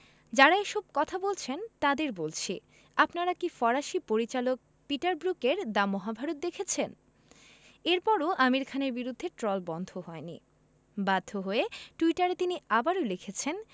যাঁরা এসব কথা বলছেন তাঁদের বলছি আপনারা কি ফরাসি পরিচালক পিটার ব্রুকের “দ্য মহাভারত” দেখেছেন এরপরও আমির খানের বিরুদ্ধে ট্রল বন্ধ হয়নি বাধ্য হয়ে টুইটারে তিনি আবারও লিখেছেন